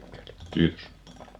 kiitos